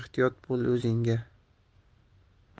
ehtiyot bo'l o'zingga